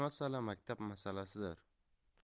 masala maktab masalasidir